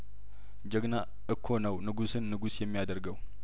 ጀግና እኮ ነውንጉስንንጉስ የሚያደርገው